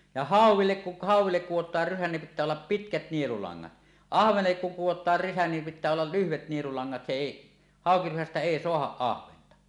ja hauellekin kun hauelle kudotaan rysä niin pitää olla pitkät nielulangat ahvenellekin kun kudotaan rysä niin pitää olla lyhyet nielulangat se ei haukirysästä ei saada ahventa